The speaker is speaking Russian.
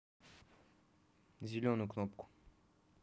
зеленую кнопку